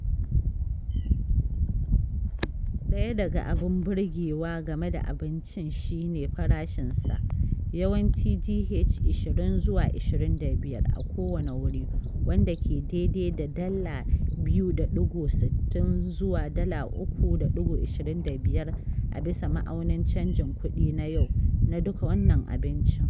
Daya daga abun burgewa game da abincin shi ne farashinsa, yawanci DH 20-25 a kowanne wuri wanda ke daidai da $2.60-3.25 a bisa ma'aunin canjin kuɗi na yau - na duka wannan abincin!